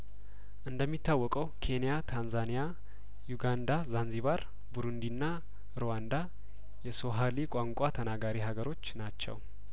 እንደሚ ታወቀው ኬንያ ታንዛኒያ ዩጋንዳ ዛንዚባር ቡሩንዲና ሩዋንዳ የሱዋ ሀሊ ቋንቋ ተናጋሪ ሀገሮች ናቸው